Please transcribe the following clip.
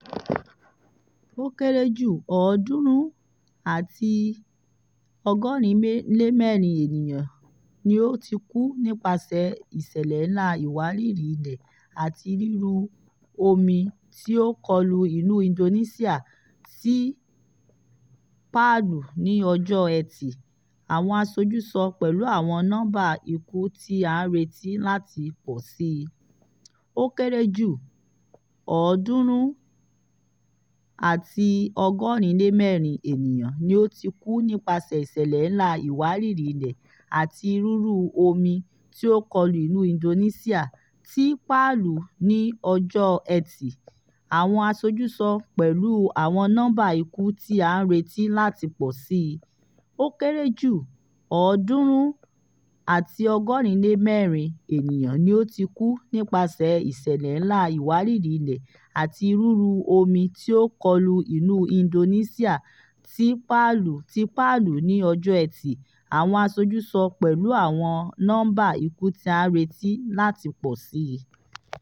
Ó kéré jù 384 ènìyàn ni ó ti kú nípasẹ̀ ìṣẹ̀lẹ̀ ńlá ìwárìrì-ilẹ̀ àti rúrú omi tí o kọlu ìlú Indonesian ti Palu ní Ọjọ́ Ẹtì, àwọn aṣojú sọ, pẹ̀lú àwọn nọ́mbá ikú tí a ń retí láti pọ̀si.